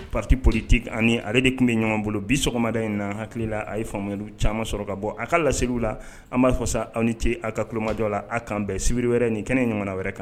Pati polite ani ale de tun bɛ ɲɔgɔn bolo bi sɔgɔmada in na hakilila a ye faamuya caman sɔrɔ ka bɔ a ka laseeliw la an amadurifasa aw ni ce aw ka kumajɔ la a kan bɛn sibiri wɛrɛ nin kɛnɛ ɲɔgɔn wɛrɛ kan